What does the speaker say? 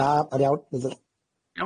Na ma'n iawn.